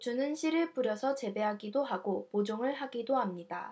고추는 씨를 뿌려서 재배하기도 하고 모종을 하기도 합니다